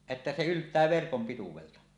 että se yltää verkon pituudelta